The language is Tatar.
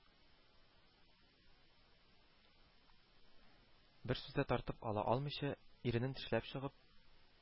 Бер сүз дә тартып ала алмыйча, иренен тешләп чыгып